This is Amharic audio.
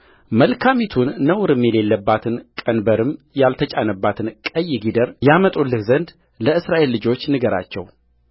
መልካሚቱን ነውርም የሌለባትን ቀንበርም ያልተጫነባትን ቀይ ጊደር ያመጡልህ ዘንድ ለእስራኤል ልጆች ንገራቸው